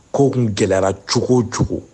Ko gɛlɛra cogo o cogo